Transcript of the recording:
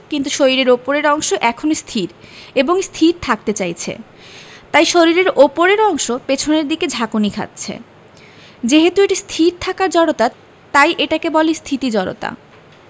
কিন্তু শরীরের ওপরের অংশ এখনো স্থির এবং স্থির থাকতে চাইছে তাই শরীরের ওপরের অংশ পেছনের দিকে ঝাঁকুনি খাচ্ছে যেহেতু এটা স্থির থাকার জড়তা তাই এটাকে বলে স্থিতি জড়তা